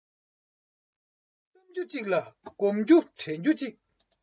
བསམ རྒྱུ གཅིག ལ བསྒོམ རྒྱུ དྲན རྒྱུ གཅིག